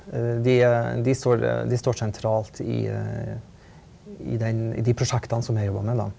de de står de står sentralt i i den i de prosjektene som jeg jobber med da.